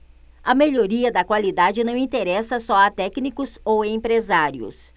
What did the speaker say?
a melhoria da qualidade não interessa só a técnicos ou empresários